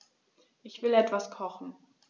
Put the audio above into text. Ich will etwas kochen.